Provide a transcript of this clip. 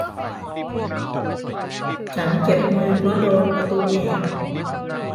ฉันเจ็บมือเพราะโดนประตูหนีบ